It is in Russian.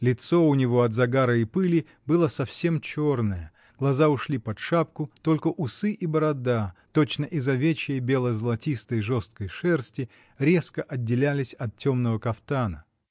Лицо у него от загара и пыли было совсем черное, глаза ушли под шапку, только усы и борода, точно из овечьей, бело-золотистой, жесткой шерсти, резко отделялись от темного кафтана.